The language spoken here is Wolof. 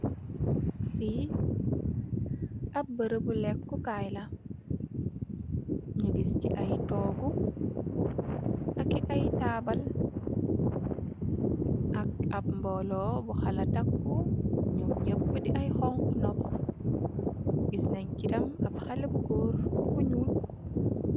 Fi ap berembu leku kai la nyu gis si ay togu ak ay tabul ak ap mbolo bu hala taku nyom nyep di ay xonxu nopu giss nen si tam ap xeleh bu goor bu nuul.